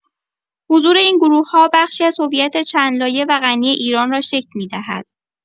حضور این گروه‌ها بخشی از هویت چندلایه و غنی ایران را شکل می‌دهد.